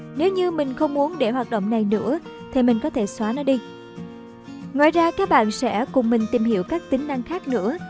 nếu như mình không muốn để hoạt động này nữa thì mình có thể xóa nó đi ngoài ra các bạn sẽ cùng mình tìm hiểu các tính năng khác nữa